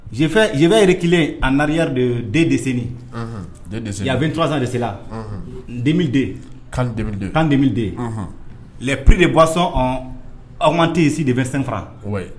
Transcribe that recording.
Je vais reculer en arrière de deux décennies, anhan, deux décennies, il y avait trois ans de cela, Ɔnhɔn, en 2002, can 2002, can 2002, Ɔnhɔn, les prix de boissons ont augmenté ici de 25 francs, ouais